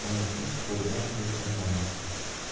buni xush ko'rgandek indamasdi